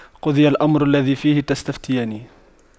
قُضِيَ الأَمرُ الَّذِي فِيهِ تَستَفِتيَانِ